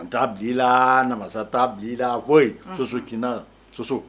N taa bila ila namasa taa bila ila fo soso soso